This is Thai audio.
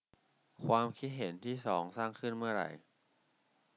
ความคิดเห็นที่สองสร้างขึ้นเมื่อไร